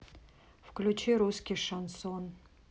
включи русский шансон